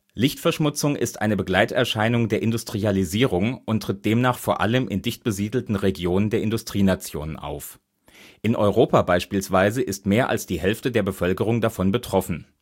Lichtverschmutzung ist eine Begleiterscheinung der Industrialisierung und tritt demnach vor allem in dicht besiedelten Regionen der Industrienationen auf. In Europa beispielsweise ist mehr als die Hälfte der Bevölkerung davon betroffen